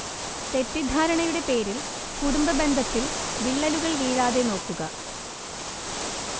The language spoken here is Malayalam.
തെറ്റിധാരണയുടെ പേരിൽ കുടുംബബന്ധത്തിൽ വിള്ളലുകൾ വീഴാതെ നോക്കുക